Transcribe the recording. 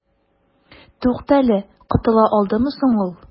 Туктале, котыла алдымыни соң ул?